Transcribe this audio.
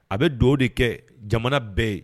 A bɛ do o de kɛ jamana bɛɛ ye